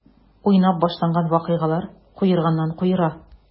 Уйнап башланган вакыйгалар куерганнан-куера.